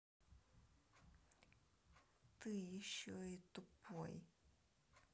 ты еще и тупой